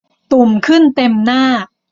ตุ่มขึ้นเต็มหน้า